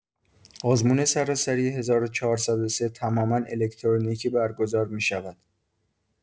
آزمون سراسری ۱۴۰۳ تماما الکترونیکی برگزار می‌شود.